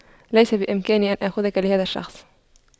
ليس بإمكاني أن آخذك لهذا الشخص